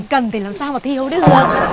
cần thì làm sao mà thiếu được